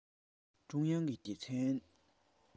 ཀྲུང དབྱང གི སྡེ ཚན